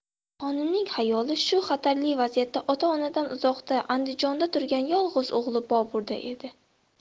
xonimning xayoli shu xatarli vaziyatda ota onadan uzoqda andijonda turgan yolg'iz o'g'li boburda edi